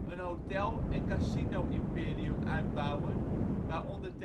hotel - en casino-imperium uitbouwen, waaronder